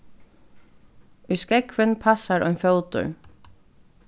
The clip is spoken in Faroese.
í skógvin passar ein fótur